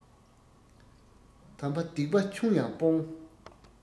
དམ པ སྡིག པ ཆུང ཡང སྤོང